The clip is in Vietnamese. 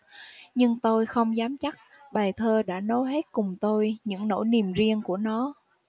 nhưng tôi không dám chắc bài thơ đã nói hết cùng tôi những nỗi niềm riêng của nó